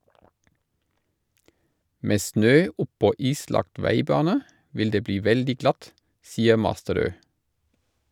Med snø oppå islagt veibane vil det bli veldig glatt, sier Masterød.